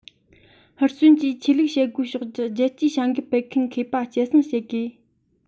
ཧུར བརྩོན གྱིས ཆོས ལུགས བྱེད སྒོའི ཕྱོགས ཀྱི རྒྱལ སྤྱིའི བྱ འགུལ སྤེལ མཁན མཁས པ སྐྱེད སྲིང བྱེད དགོས